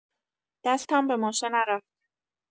دستم به ماشه نرفت.